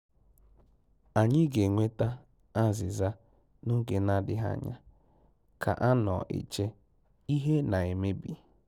Anyị ga-enweta azịza n'oge na-adịghị anya. Ka a nọ eche, ihe na-emebi.